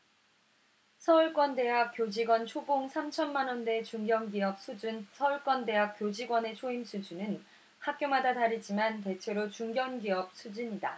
서울권 대학 교직원 초봉 삼 천만원대 중견기업 수준서울권 대학 교직원의 초임 수준은 학교마다 다르지만 대체로 중견기업 수준이다